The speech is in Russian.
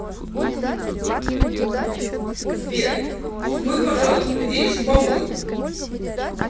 сбер спой пожалуйста видишь в помойку